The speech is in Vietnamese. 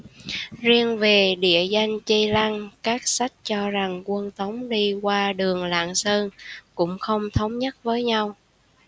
riêng về địa danh chi lăng các sách cho rằng quân tống đi qua đường lạng sơn cũng không thống nhất với nhau